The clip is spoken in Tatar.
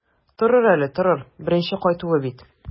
Торыр әле, торыр, беренче кайтуы бит.